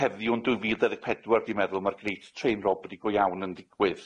Heddiw'n dwy fil dau ddeg pedwar dwi'n meddwl ma'r Great Train Robbery go iawn yn ddigwydd.